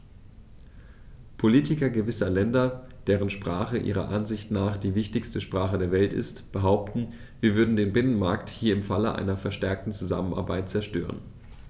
Politiker gewisser Länder, deren Sprache ihrer Ansicht nach die wichtigste Sprache der Welt ist, behaupten, wir würden den Binnenmarkt hier im Falle einer verstärkten Zusammenarbeit zerstören.